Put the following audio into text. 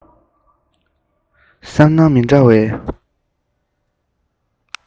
བསམ སྣང མི འདྲ བའི